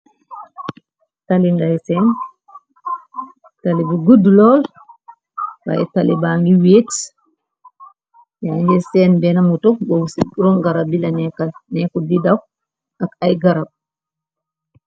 Talinlay seen talibu guddu lool waaye taliba ngi weets yaay ngir seen bennmu tox gow ci rongara bi la nekanekku didaw ak ay garab.